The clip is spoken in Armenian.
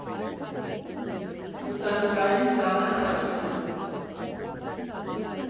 Լուսանկարիչ՝ Զավեն Խաչիկյան։